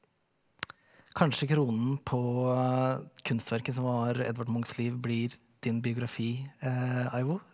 kanskje kronen på kunstverket som var Edvard Munchs liv blir din biografi Ivo.